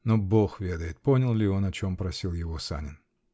Но бог ведает, понял ли он, о чем просил его Санин.